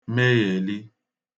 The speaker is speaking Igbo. megheli